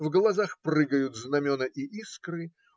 в глазах прыгают знамена и искры